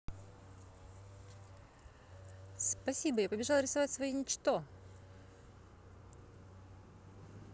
спасибо я побежала рисовать свои ничто